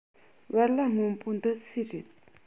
བལ ལྭ སྔོན པོ འདི སུའི རེད